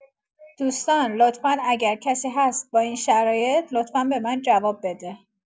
دوستان لطفا اگر کسی هست با این شرایط لطفا به من جواب بده